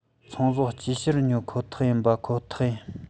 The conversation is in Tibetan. ཚོང ཟོག སྤུས ཞེར ཉོ ཁོ ཐག ཡིན པ ཁོ ཐག ཡིན